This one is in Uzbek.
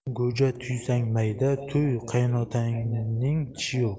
go'ja tuysang mayda tuy qaynotangning tishi yo'q